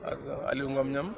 ak aliou Ngom ñoom